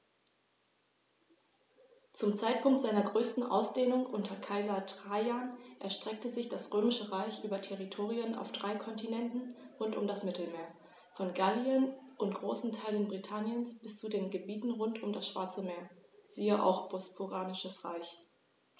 Zum Zeitpunkt seiner größten Ausdehnung unter Kaiser Trajan erstreckte sich das Römische Reich über Territorien auf drei Kontinenten rund um das Mittelmeer: Von Gallien und großen Teilen Britanniens bis zu den Gebieten rund um das Schwarze Meer (siehe auch Bosporanisches Reich).